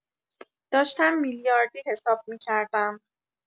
داشتم میلیاردی حساب می‌کردم